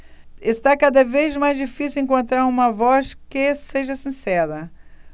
está cada vez mais difícil encontrar uma voz que seja sincera